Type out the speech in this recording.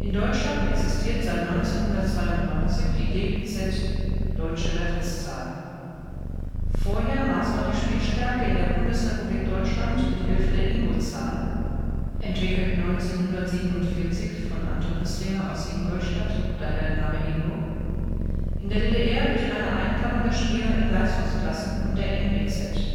Deutschland existiert seit 1992 die DWZ (Deutsche Wertungszahl). Vorher maß man die Spielstärke in der Bundesrepublik Deutschland mit Hilfe der Ingo-Zahl (entwickelt 1947 von Anton Hößlinger aus Ingolstadt, daher der Name „ Ingo “), in der DDR durch eine Einteilung der Spieler in Leistungsklassen und der NWZ